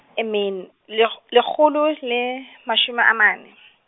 e men-, lekg- lekgolo le, mashome a mane.